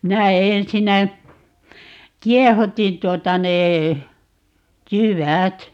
nämä minä ensinnä kiehutin tuota ne jyvät